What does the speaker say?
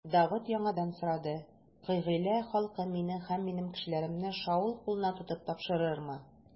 Давыт яңадан сорады: Кыгыйлә халкы мине һәм минем кешеләремне Шаул кулына тотып тапшырырмы?